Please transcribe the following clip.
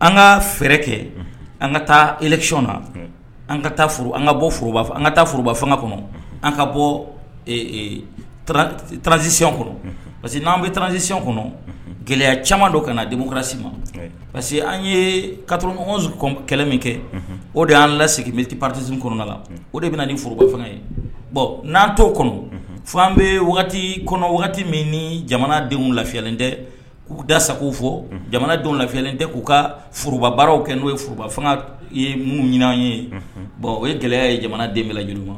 An ka fɛɛrɛ kɛ an ka taa ekicyɔn na an ka taa an ka bɔ foroba an ka taa foroba fanga kɔnɔ an ka bɔ tranzsisi kɔnɔ parce que n'an bɛ tranzsiy kɔnɔ gɛlɛya caman don ka na denmusomukarasi ma parce que an ye ka kɛlɛ min kɛ o de y'an lasigiti patisi kɔnɔna la o de bɛna na ni furubafan ye bɔn n'an t' o kɔnɔ fo an bɛ kɔnɔ wagati min ni jamana denw lafiyalen tɛ k'u da sago fɔ jamana denw lafiyalen tɛ k'u ka forobabaaw kɛ n'o ye foroba fanga ye minnu ɲininan ye bɔn o ye gɛlɛya ye jamana den bɛj ma